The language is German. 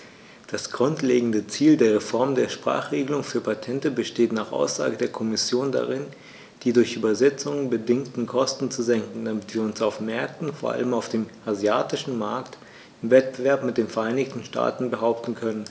Das grundlegende Ziel der Reform der Sprachenregelung für Patente besteht nach Aussage der Kommission darin, die durch Übersetzungen bedingten Kosten zu senken, damit wir uns auf den Märkten, vor allem auf dem asiatischen Markt, im Wettbewerb mit den Vereinigten Staaten behaupten können.